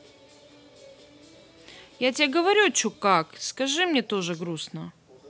я тебе говорю че так скажи мне тоже грустно